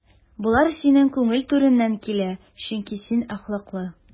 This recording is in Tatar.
Болар синең күңел түреннән килә, чөнки син әхлаклы.